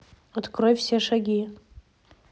открой все шаги